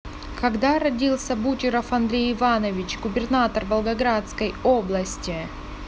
когда родился бутеров андрей иванович губернатор волгоградской области